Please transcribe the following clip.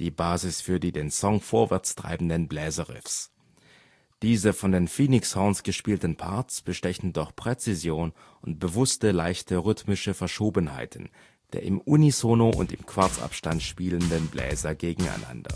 die Basis für die den Song vorwärtstreibenden Bläserriffs. Diese von den Phenix Horns gespielten Parts bestechen durch Präzision und bewusste leichte rhythmische Verschobenheiten der im Unisono und im Quartsabstand spielenden Bläser gegeneinander